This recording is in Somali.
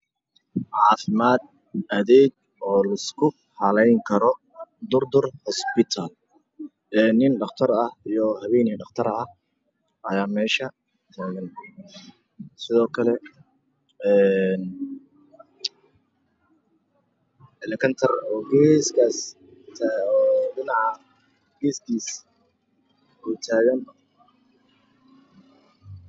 Xafimad adeg oo laisku halen karo durdur hospital en nin dhaqtarah iyo haweney dhqtarah aya mesha. Tagan Sidokale een Celikaptar oo geskas oo dhinaca geskis ootagan